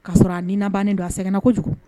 K'a sɔrɔ ni bannen don a sɛgɛnna kojugu